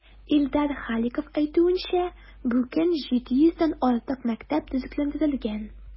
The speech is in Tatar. Илдар Халиков әйтүенчә, бүген 700 дән артык мәктәп төзекләндерелгән.